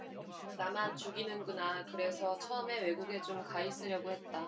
나만 죽이는 구나 그래서 처음엔 외국에 좀 가있으려고 했다